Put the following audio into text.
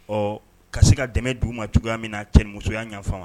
Ɔ ka se ka dɛmɛ' ma cogoyaya min na cɛmusoya ɲɔgɔnma